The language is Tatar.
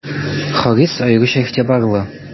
Харис аеруча игътибарлы.